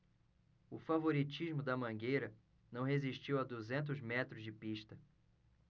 o favoritismo da mangueira não resistiu a duzentos metros de pista